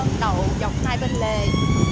đậu dọc hai bên lề